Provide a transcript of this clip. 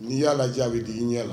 N'i y'a lajɛ a bɛ digi i ɲɛ la.